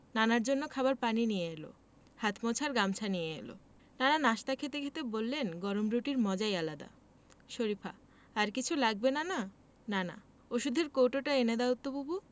নানার জন্য খাবার পানি নিয়ে এলো হাত মোছার গামছা নিয়ে এলো নানা নাশতা খেতে খেতে বললেন গরম রুটির মজাই আলাদা শরিফা আর কিছু লাগবে নানা নানা ঔষধের কৌটোটা এনে দাও বুবু